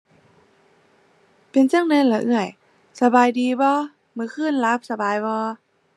เป็นจั่งใดล่ะเอื้อย สบายดีบ่ เมื่อคืนหลับสบายบ่